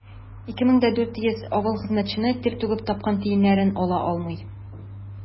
2400 авыл хезмәтчәне тир түгеп тапкан тиеннәрен ала алмый.